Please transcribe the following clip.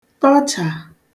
tọchà